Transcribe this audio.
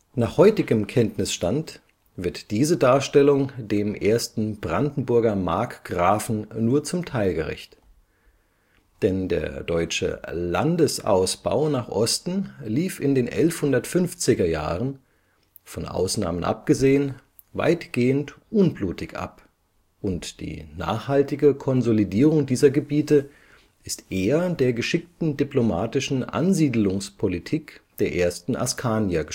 Nach heutigem Kenntnisstand wird diese Darstellung dem ersten Brandenburger Markgrafen nur zum Teil gerecht. Denn der deutsche Landesausbau nach Osten lief in den 1150er Jahren, von Ausnahmen abgesehen, weitgehend unblutig ab und die nachhaltige Konsolidierung dieser Gebiete ist eher der geschickten diplomatischen Ansiedlungspolitik der ersten Askanier